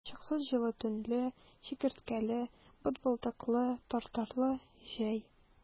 Чыксыз җылы төнле, чикерткәле, бытбылдыклы, тартарлы җәй!